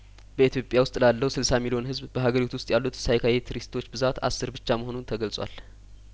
በኢትዮጵያ ውስጥ ላለው ስልሳ ሚሊዮን ህዝብ በሀገሪቱ ውስጥ ያሉት ሳይካይትሪስቶች ብዛት አስር ብቻ መሆኑም ተገልጿል